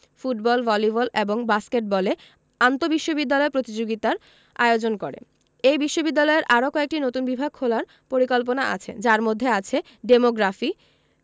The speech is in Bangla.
ফুটবল ভলিবল এবং বাস্কেটবলে আন্তঃবিশ্ববিদ্যালয় প্রতিযোগিতার আয়োজন করে এই বিশ্ববিদ্যালয়ের আরও কয়েকটি নতুন বিভাগ খোলার পরিকল্পনা আছে যার মধ্যে আছে ডেমোগ্রাফি